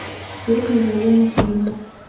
песни из военных фильмов